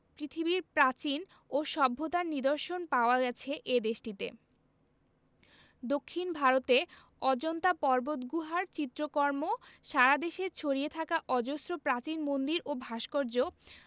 পৃথিবীর প্রাচীন ও সভ্যতার নিদর্শন পাওয়া গেছে এ দেশটিতে দক্ষিন ভারতে অজন্তা পর্বতগুহার চিত্রকর্ম সারা দেশে ছড়িয়ে থাকা অজস্র প্রাচীন মন্দির ও ভাস্কর্য